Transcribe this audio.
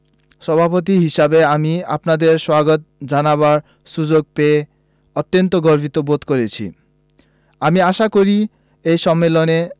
সভাপতি হিসেবে আমি আপনাদের স্বাগত জানাবার সুযোগ পেয়ে অত্যন্ত গর্বিত বোধ করছি আমি আশা করি এ সম্মেলনে